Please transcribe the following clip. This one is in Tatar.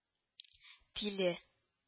Тиле